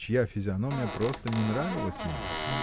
чья физиономия просто не нравилась ему.